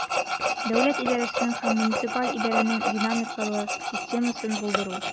Дәүләт идарәсенең һәм муниципаль идарәнең динамикалы системасын булдыру.